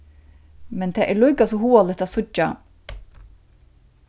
men tað er líka so hugaligt at síggja